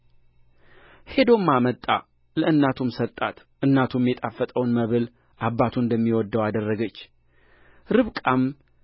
ሄዶም አመጣ ለእናቱም ሰጣት እናቱም የጣፈጠውን መብል አባቱ እንደሚወደው አደረገች ርብቃም